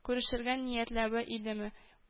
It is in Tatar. Күрешергә ниятләве идеме